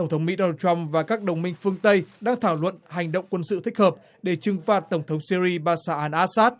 tổng thống mỹ đo nan trăm và các đồng minh phương tây đang thảo luận hành động quân sự thích hợp để trừng phạt tổng thống xia ri ba sa an át sát